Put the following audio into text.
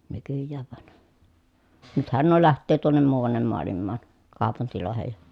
nykyään vaan nythän nuo lähtee tuonne muuanne maailmaan kaupunkeihin ja